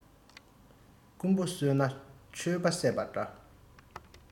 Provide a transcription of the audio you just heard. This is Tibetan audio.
རྐུན པོ གསོས ན ཆོས པ བསད པ འདྲ